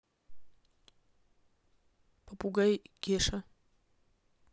попугай кеша